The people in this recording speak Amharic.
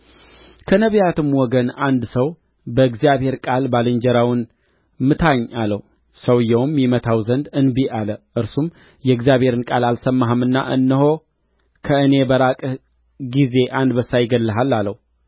ከነቢያትም ወገን አንድ ሰው በእግዚአብሔር ቃል ባልንጀራውን ምታኝ አለው ሰውዮውም ይመታው ዘንድ እንቢ አለ እርሱም የእግዚአብሔርን ቃል አልሰማህምና እነሆ ከእኔ በራቅህ ጊዜ አንበሳ ይገድልሃል አለው